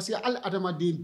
Parce que ali adamaden